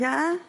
Ia?